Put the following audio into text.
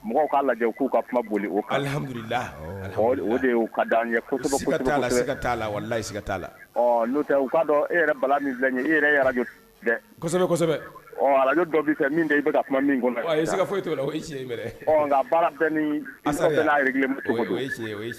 Mɔgɔw k'a lajɛ k'u ka kuma boli laka la n'o u'a e yɛrɛ bala min e yɛrɛ ala dɔ' kɛ min i ka kuma min foyi ni